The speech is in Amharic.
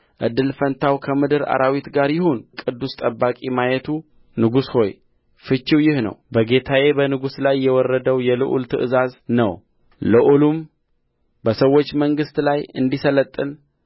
እድል ፈንታው ከምድር አራዊት ጋር ይሁን ያለውን ቅዱስ ጠባቂ ማየቱ ንጉሥ ሆይ ፍቺው ይህ ነው በጌታዬ በንጉሥ ላይ የወረደው የልዑሉ ትእዛዝ ነው ልዑሉም በሰዎች መንግሥት ላይ እንዲሠለጥን